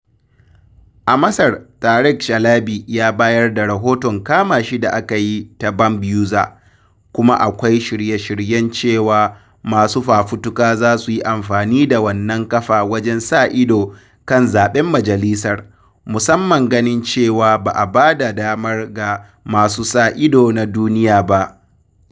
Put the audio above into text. A Masar, Tarek Shalaby ya bayar da rahoton kama shi da aka yi ta Bambuser, kuma akwai shirye-shiryen cewa masu fafutuka zasu yi amfani da wannan kafa wajen sa ido kan zaɓen majalisar, musamman ganin cewa ba a ba da damar ga masu sa ido na duniya ba.